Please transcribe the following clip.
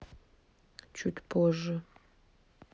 чуть позже